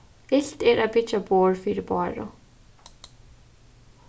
ilt er at byggja borð fyri báru